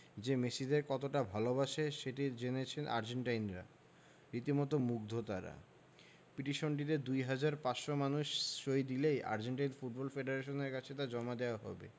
যে মেসিদের কতটা ভালোবাসে সেটি জেনেছেন আর্জেন্টাইনরা রীতিমতো মুগ্ধ তাঁরা পিটিশনটিতে ২ হাজার ৫০০ মানুষ সই দিলেই আর্জেন্টাইন ফুটবল ফেডারেশনের কাছে তা জমা দেওয়া হবে